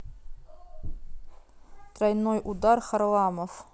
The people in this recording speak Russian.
тройной удар харламов